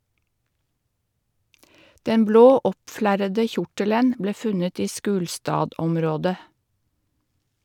Den blå oppflerrede kjortelen ble funnet i Skulstadområdet.